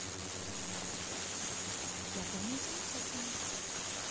я думаю замечательно